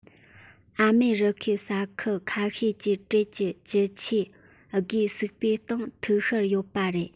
ཨ མེ རི ཁའི ས ཁུལ ཁ ཤས ཀྱི དྲེལ གྱི བཅུ ཆའི དགུའི སུག པའི སྟེང ཐིག ཤར ཡོད པ རེད